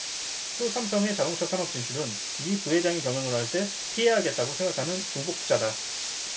또 삼성의 자동차 산업 진출은 이 부회장이 경영을 할 때 피해야겠다고 생각하는 중복 투자다